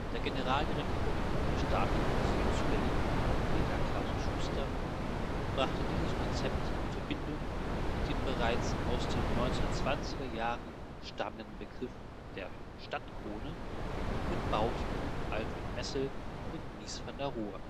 Der Generaldirektor der Staatlichen Museen zu Berlin, Peter-Klaus Schuster, brachte dieses Konzept in Verbindung mit dem bereits aus den 1920er-Jahren stammenden Begriff der „ Stadtkrone “und mit Bauten von Alfred Messel und Mies van der Rohe